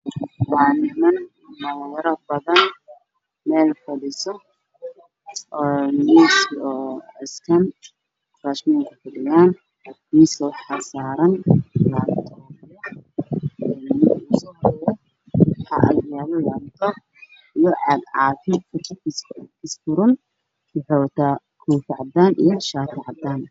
Waa niman badan oo meel fadhiyo waxaa ag yaalo miis